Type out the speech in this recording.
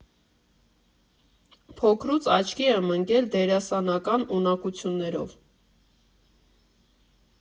Փոքրուց աչքի եմ ընկել դերասանական ունակություններով։